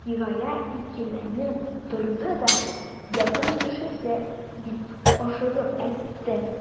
Фирая икеләнеп торды да: — Якын кешесе,— дип ашыгып әйтте.